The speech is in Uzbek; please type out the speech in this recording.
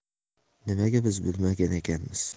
nimaga biz bilmagan ekanmiz